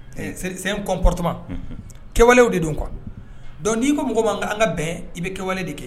Kɔnporotma kɛwalew de don kuwa dɔn n'i ko mɔgɔ ma an ka bɛn i bɛ kɛwale de kɛ